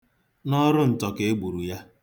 Na ọrụ ntọ ka e gburu ya.